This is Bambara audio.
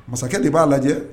Masakɛ de b'a lajɛ